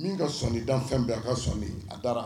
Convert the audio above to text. Min ka sɔnɔni dan fɛn bɛɛ a ka sonɔni a da